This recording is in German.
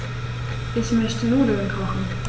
Ich möchte Nudeln kochen.